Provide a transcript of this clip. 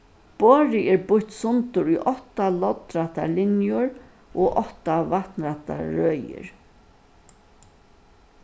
borðið er býtt sundur í átta loddrættar linjur og átta vatnrættar røðir